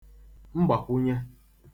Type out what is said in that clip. mgbàkwụnye